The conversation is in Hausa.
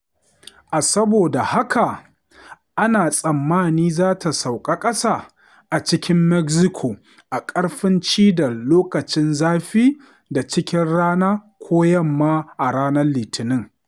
A saboda haka, ana tsammani za ta sauka ƙasa a cikin Mexico a ƙarfin cidar loƙacin zafi da cikin rana ko yamma a ranar Litinin.